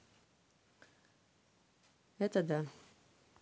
это да